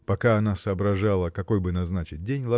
Пока она соображала, какой бы назначить день